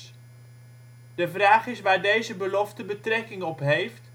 vraag is waar deze belofte betrekking op heeft